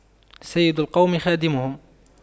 سيد القوم خادمهم